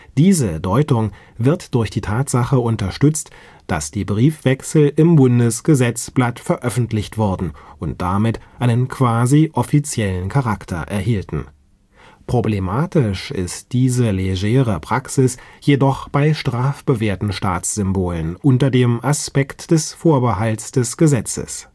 Diese Deutung wird durch die Tatsache unterstützt, dass die Briefwechsel im Bundesgesetzblatt veröffentlicht wurden und damit einen quasi-offiziellen Charakter erhielten. Problematisch ist diese légere Praxis jedoch bei strafbewehrten Staatssymbolen unter dem Aspekt des Vorbehalts des Gesetzes